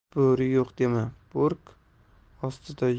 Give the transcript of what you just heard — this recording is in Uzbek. bo'ri yo'q dema bo'rk ostida